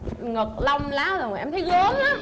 ngực lông lá rồi em thấy gớm lắm